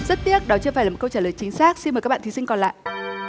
rất tiếc đó chưa phải là một câu trả lời chính xác xin mời các bạn thí sinh còn lại